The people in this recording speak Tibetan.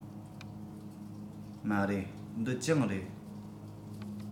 མ རེད འདི གྱང རེད